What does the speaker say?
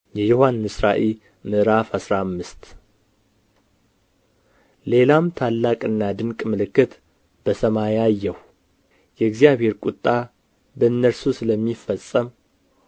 የዮሐንስ ራእይ ምዕራፍ አስራ አምስት ሌላም ታላቅና ድንቅ ምልክት በሰማይ አየሁ የእግዚአብሔር ቍጣ በእነርሱ ስለሚፈጸም